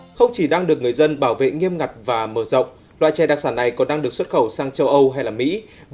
không chỉ đang được người dân bảo vệ nghiêm ngặt và mở rộng loại chè đặc sản này còn đang được xuất khẩu sang châu âu hay là mỹ